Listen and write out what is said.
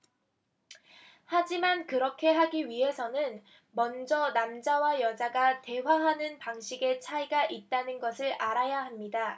하지만 그렇게 하기 위해서는 먼저 남자와 여자가 대화하는 방식에 차이가 있다는 것을 알아야 합니다